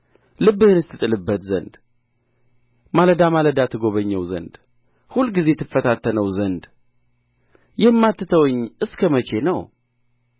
ልብህንስ ትጥልበት ዘንድ ማለዳ ማለዳስ ትጐበኘው ዘንድ ሁልጊዜስ ትፈታተነው ዘንድ የማትተወኝ እስከ መቼ ነው